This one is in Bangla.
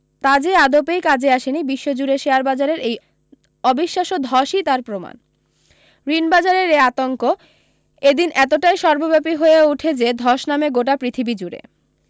তা যে আদপেই কাজে আসেনি বিশ্বজুড়ে শেয়ারবাজারের এই অবিশ্বাস্য ধসৈ তার প্রমাণ ঋণ বাজারের এই আতঙ্ক এদিন এতটাই সর্বব্যাপী হয়ে ওঠে যে ধস নামে গোটা পৃথিবীজুড়ে